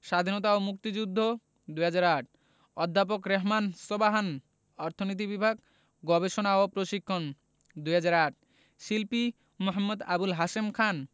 স্বাধীনতা ও মুক্তিযুদ্ধ ২০০৮ অধ্যাপক রেহমান সোবহান অর্থনীতি বিভাগ গবেষণা ও প্রশিক্ষণ ২০০৮ শিল্পী মু. আবুল হাশেম খান